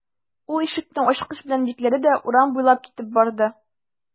Ул ишекне ачкыч белән бикләде дә урам буйлап китеп барды.